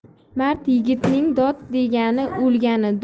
mard yigitning dod degani o'lgani